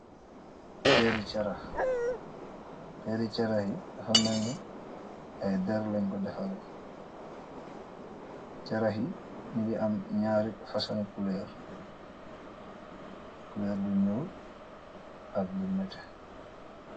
peeri carax yi famelni ay derlañ ko defare carax yi ñu gi am ñaari fasani kuleer bu ñuol ab bu nete